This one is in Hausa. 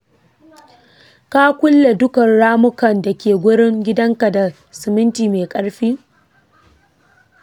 ka kulle duka ramukan dake garun gidanka da siminti mai karfi.